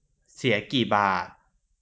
เสียกี่บาท